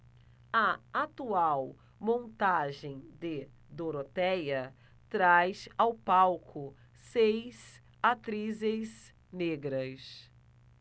a atual montagem de dorotéia traz ao palco seis atrizes negras